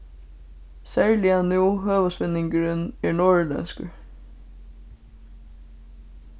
serliga nú høvuðsvinningurin er norðurlendskur